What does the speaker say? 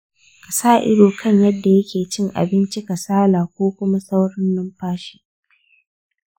ka sa ido kan yadda yake cin abinci kasala, ko kuma saurin numfashi